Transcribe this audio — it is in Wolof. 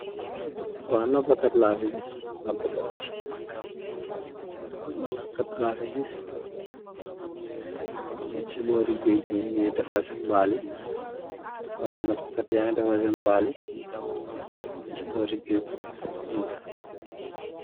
Waw napakat lafe giss napakat, napakat lafe giss nug se bore geache be nuge defarr sen mbal yee eh napakat yage defarr sen mbal yee nug se bore geache be walie.